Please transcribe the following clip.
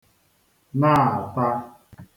nààta